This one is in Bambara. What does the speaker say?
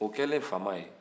o kɛlen ye fama ye